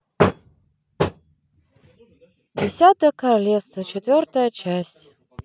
десятое королевство четвертая часть